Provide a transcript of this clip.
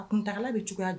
A kuntaa bɛ cogoya